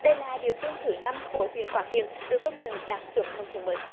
đây là địa phương thứ năm của huyện quảng điền được công nhận đạt chuẩn nông thôn mới